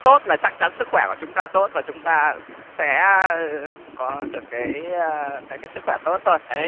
tốt là chắc chắn sức khỏe của chúng ta tốt và chúng ta sẽ có được cái cái sức khỏe tốt thôi